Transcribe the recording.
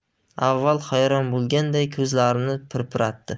avval hayron bo'lganday ko'zlarini pirpiratdi